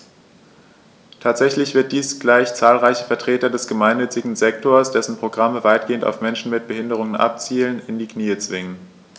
Tatsächlich wird dies gleich zahlreiche Vertreter des gemeinnützigen Sektors - dessen Programme weitgehend auf Menschen mit Behinderung abzielen - in die Knie zwingen.